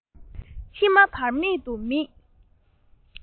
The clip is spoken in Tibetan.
མཆིལ མ བར མེད དུ མིད